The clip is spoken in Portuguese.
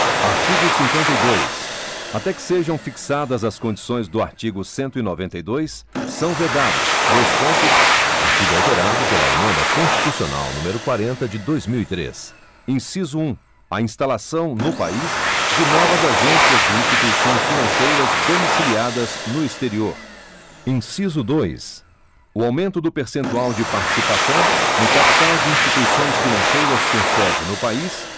artigo cinquenta e dois até que sejam fixadas as condições do artigo cento e noventa e dois são vedados dois pontos artigo alterado pela emenda constitucional número quarenta de dois mil e três inciso um a instalação no país de novas agências de instituições financeiras domiciliadas no exterior inciso dois o aumento do percentual de participação no capital de instituições financeiras com sede no país